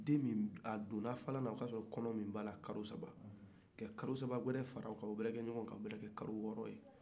den ni donna tun la o y'a sɔrɔ kɔnɔ n'in b'a la kalo sab ka kalo saba wɛrɛ fara o ka o bɛ kɛ kalo wɔɔrɔ ye